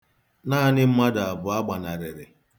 Naanị mmadụ abụọ gbanarịrị.